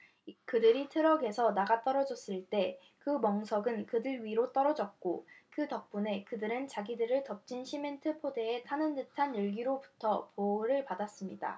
그들이 트럭에서 나가떨어졌을 때 그 멍석은 그들 위로 떨어졌고 그 덕분에 그들은 자기들을 덮친 시멘트 포대의 타는 듯한 열기로부터 보호를 받았습니다